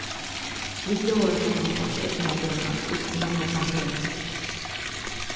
vit bjóðaðu teimum eftir øllum at døma ikki nóg nógvan pening